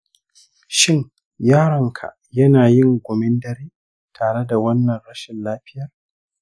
shin yaronka yana yin gumin dare tare da wannan rashin lafiyar?